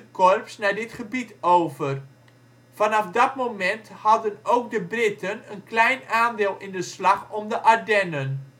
korps naar dit gebied over. Vanaf dat moment hadden ook de Britten een (klein) aandeel in de Slag om de Ardennen